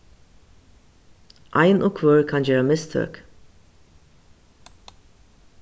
ein og hvør kann gera mistøk